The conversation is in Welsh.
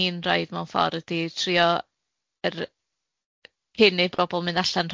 ni'n roid mewn ffor ydy trio yr cyn i bobol mynd allan